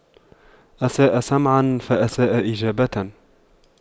أساء سمعاً فأساء إجابة